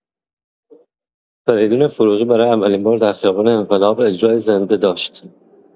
فریدون فروغی برای اولین بار در خیابان انقلاب اجرای زنده داشت.